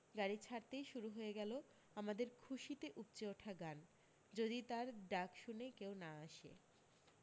গাড়ী ছাড়তেই শুরু হয়ে গেল আমাদের খুশিতে উপচে ওঠা গান যদি তার ডাক শুনে কেউ না আসে